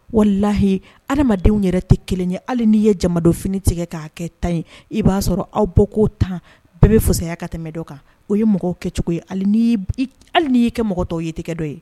Wala lahi adamadenw yɛrɛ tɛ kelen ye hali n'i ye jamadɔf tigɛ k' kɛ tan ye i b'a sɔrɔ aw bɔ k'o tan bɛɛ bɛ fisaya ka tɛmɛ dɔw kan o ye mɔgɔw kɛ cogo ye hali n ye kɛ mɔgɔ tɔw ye tɛgɛ dɔ ye